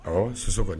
A soso kɔni